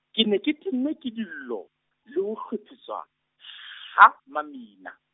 ke ne ke tennwe ke dillo, le ho hlephetswa, ha, mamina.